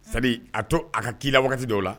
Sabu a to a ka k kii la waati dɔw la